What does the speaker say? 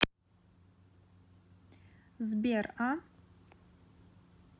сбер а